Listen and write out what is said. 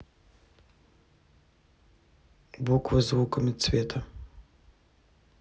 буквы звуками цвета